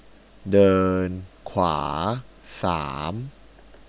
เดินขวาสาม